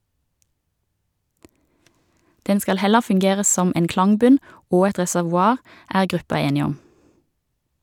Den skal heller fungere som en klangbunn, og et reservoar, er gruppa enig om.